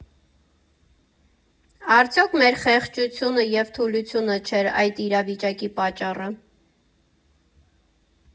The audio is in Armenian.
Արդյո՞ք մեր խեղճությունը և թուլությունը չէր այդ իրավիճակի պատճառը։